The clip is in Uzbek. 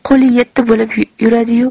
qo'li yetti bo'lib yuradi yu